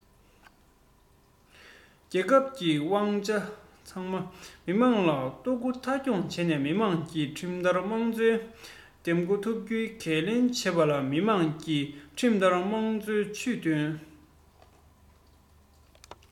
རྒྱལ ཁབ ཀྱི དབང ཆ ཚང མ མི དམངས ལ གཏོགས རྒྱུ མཐའ འཁྱོངས བྱས ནས མི དམངས ཀྱིས ཁྲིམས ལྟར དམངས གཙོ འདེམས བསྐོ ཐུབ རྒྱུའི འགན ལེན བྱེད དགོས ལ མི དམངས ཀྱིས ཁྲིམས ལྟར དམངས གཙོ ཇུས འདོན དང